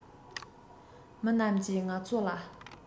མི རྣམས ཀྱིས ང ཚོ ལ